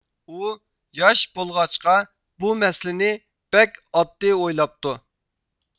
ئۇياش بولغاچقا بۇ مەسىلىنى بەك ئاددىي ئويلاپتۇ